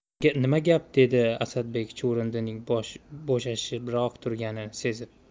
nima gap dedi asadbek chuvrindining bo'shashibroq turganini sezib